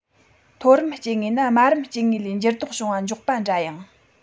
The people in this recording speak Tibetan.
མཐོ རིམ སྐྱེ དངོས ནི དམའ རིམ སྐྱེ དངོས ལས འགྱུར ལྡོག བྱུང བ མགྱོགས པ འདྲ ཡང